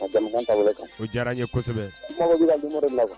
Ta kan ko diyara n ye kosɛbɛ la